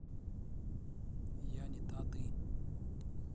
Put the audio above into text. я не та ты